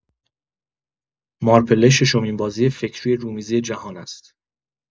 مارپله ششمین بازی فکری رومیزی جهان است.